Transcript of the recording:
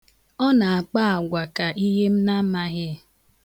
Ọ na-akpa agwa ka ihe m na amaghị.